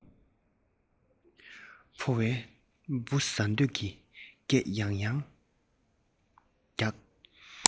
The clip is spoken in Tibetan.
ཕོ བས འབུ ཟ འདོད ཀྱི སྐད ཡང ཡང རྒྱག